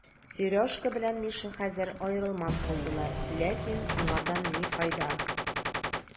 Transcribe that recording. Сережка белән Миша хәзер аерылмас булдылар, ләкин моңардан ни файда?